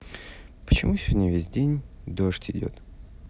почему сегодня весь день дождь идет